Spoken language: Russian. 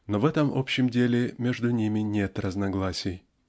но в этом общем деле между ними нет разногласий.